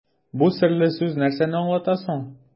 Бу серле сүз нәрсәне аңлата соң?